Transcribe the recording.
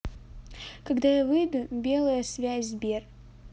когда я выйду белая связь сбер